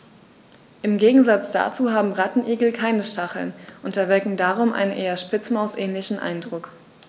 Im Gegensatz dazu haben Rattenigel keine Stacheln und erwecken darum einen eher Spitzmaus-ähnlichen Eindruck.